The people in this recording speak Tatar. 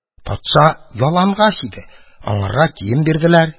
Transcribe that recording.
Патша ялангач иде, аңарга кием бирделәр — киенде.